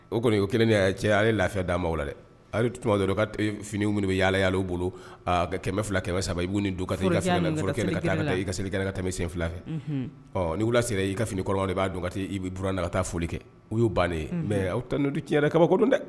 O kɔni o kelen cɛ ale ye lafifɛ d'a ma la dɛ a tun ka finiini minnu bɛ yaalaya'o bolo ka kɛmɛ fila kɛmɛ saba i b' nin don ka i ka seli ka tɛmɛmɛ sen fila fɛ ɔ ni' wula sera y ii ka fini kɔrɔw b'ati i bɛ d na ka taa foli kɛ u y'u bannen ye mɛ aw tan tiɲɛna yɛrɛ kaba ko don dɛ